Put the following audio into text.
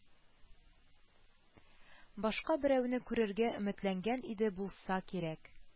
Башка берәүне күрергә өметләнгән иде булса кирәк